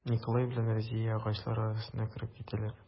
Николай белән Разия агачлар арасына кереп китәләр.